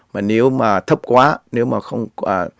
mà nếu mà thấp quá nếu mà không quả